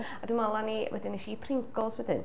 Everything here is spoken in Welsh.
A dwi'n meddwl o'n i, wedyn es i i Pringles wedyn.